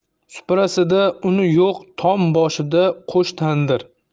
suprasida uni yo'q tom boshida qo'sh tandir